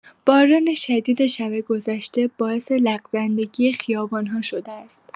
باران شدید شب گذشته باعث لغزندگی خیابان‌ها شده است.